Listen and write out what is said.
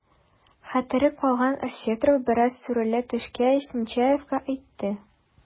Хәтере калган Осетров, бераз сүрелә төшкәч, Нечаевка әйтте: